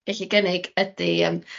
gellu gynnig ydi yym